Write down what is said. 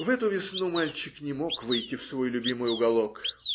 В эту весну мальчик не мог выйти в свой любимый уголок.